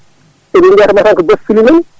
enen mbiyata mataw ko Dias cuɓiɗen